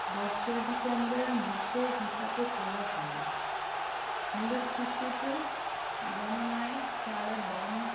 বছরের ডিসেম্বর মাসের হিসাব করা হয় মূল্যস্ফীতি গণনায় চালের দাম